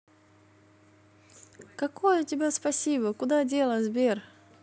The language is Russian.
какой у тебя спасибо куда дела сбер